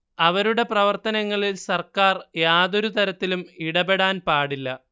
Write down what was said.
അവരുടെ പ്രവർത്തനങ്ങളിൽ സർക്കാർ യാതൊരു തരത്തിലും ഇടപെടാൻ പാടില്ല